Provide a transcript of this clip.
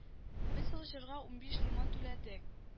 Без ул җырга унбиш лимон түләдек